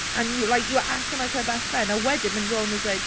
and you like you were acting like her best friend, a wedyn, mynd rownd a dweud...